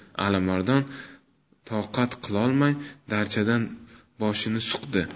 alimardon toqat qilolmay darchadan boshini suqdi